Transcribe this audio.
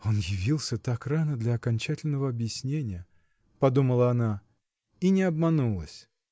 "Он явился так рано для окончательного объяснения", -- подумала она -- и не обманулась